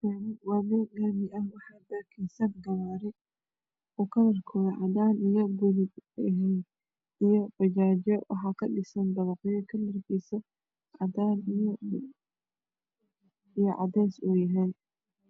Meshani waa mel lami ah waxa bakiman saf gari oo kslarkod cadan io baluug yahay io bajajo waxa jadhisan dabqyo kalarkis cadan io cades oow yahay